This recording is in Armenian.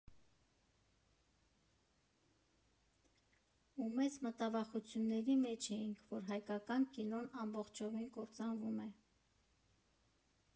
Ու մեծ մտավախությունների մեջ էինք, որ հայկական կինոն ամբողջովին կործանվում է։